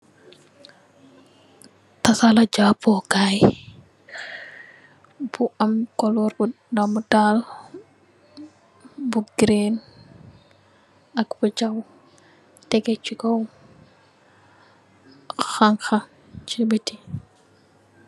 Tadsaala jaboo kai bu am colur bu domitaal bo green ak bu sjaw tegeh si kaw xanxa si biti.